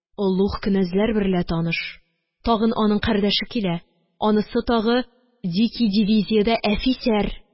Олуг кенәзләр берлә таныш. Тагы аның кардәше килә. Анысы тагы дикий дивизиядә әфисәр.